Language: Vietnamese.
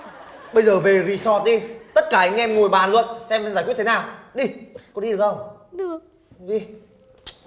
bây giờ về rì sọt đi tất cả anh em ngồi bàn luận xem phải giải quyết thế nào đi có đi được không đi